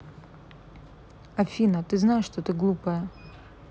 афина ты знаешь что ты глупая